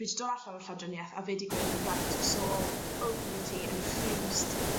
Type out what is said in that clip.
fi 'di dod allan o'r llawdrinieth a fe 'di gweud reit so o'dd ofari ti yn fused